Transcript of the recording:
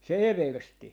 se eversti